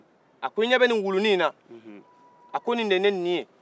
a ko i ɲɛbe ni wulunin na a ko nin de ye ne nin